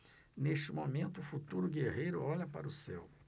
neste momento o futuro guerreiro olha para o céu